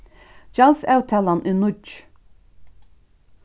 gjaldsavtalan er nýggj